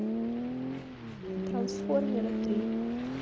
трансформеры три